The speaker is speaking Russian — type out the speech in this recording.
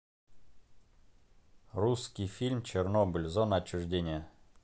русский фильм чернобыль зона отчуждения